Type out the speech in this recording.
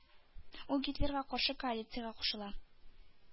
Ул гитлерга каршы коалициягә кушыла.